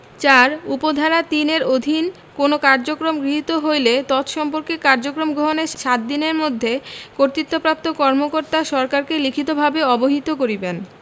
৪ উপ ধারা ৩ এর অধীন কোন কার্যক্রম গৃহীত হইলে তৎসম্পর্কে কার্যক্রম গ্রহণের ৭ দিনের মধ্যে কর্তৃত্বপ্রাপ্ত কর্মকর্তা সরকারকে লিখিতভাবে অবহিত করিবেন